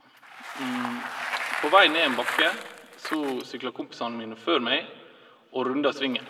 På vei ned en bakke så sykla kompisene mine før meg, og runda svingen.